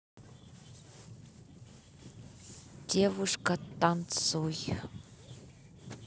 девушка танцуй